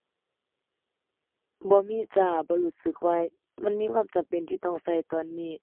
บ่มีจ้า บ่รู้สึกว่ามันมีความจำเป็นที่ต้องใช้ตอนนี้